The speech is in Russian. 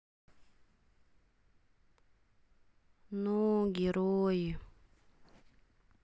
ну герои